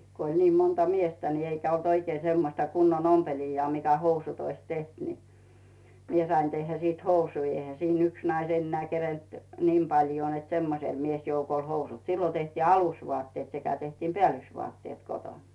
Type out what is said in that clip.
kun oli niin monta miestä niin eikä ollut oikein semmoista kunnon ompelijaa mikä housut olisi tehnyt niin minä sain tehdä sitten housuja eihän siinä yksi nainen enää kerinnyt niin paljoa että semmoiselle miesjoukolle housut silloin tehtiin alusvaatteet sekä tehtiin päällysvaatteet kotona